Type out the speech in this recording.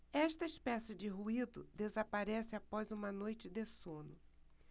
esta espécie de ruído desaparece após uma noite de sono